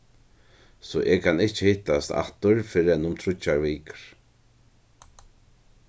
so eg kann ikki hittast aftur fyrr enn um tríggjar vikur